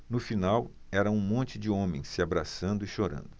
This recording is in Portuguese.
no final era um monte de homens se abraçando e chorando